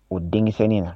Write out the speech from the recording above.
O denkɛ in na